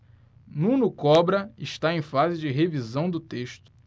nuno cobra está em fase de revisão do texto